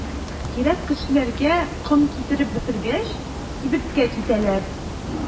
Кирәк кешеләргә ком китереп бетергәч, кибеткә китәләр.